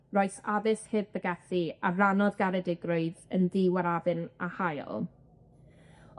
rois addysg heb bregethu, a rannodd garedigrwydd yn ddiwarafyn a hael.